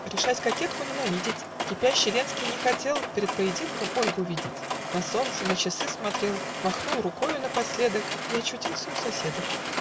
Решась кокетку ненавидеть, Кипящий Ленский не хотел Пред поединком Ольгу видеть, На солнце, на часы смотрел, Махнул рукою напоследок - И очутился у соседок.